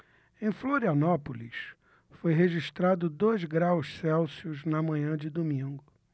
em florianópolis foi registrado dois graus celsius na manhã de domingo